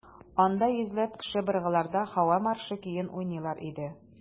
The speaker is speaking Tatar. Анда йөзләп кеше быргыларда «Һава маршы» көен уйныйлар иде.